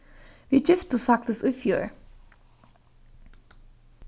vit giftust faktiskt í fjør